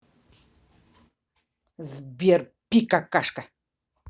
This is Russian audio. сбер пи какашка